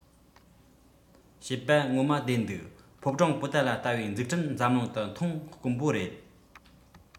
བཤད པ ངོ མ བདེན འདུག ཕོ བྲང པོ ཏ ལ ལྟ བུའི འཛུགས སྐྲུན འཛམ གླིང དུ མཐོང དཀོན པོ རེད